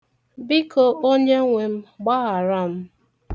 Biko, onyenwe m, gbaghara m.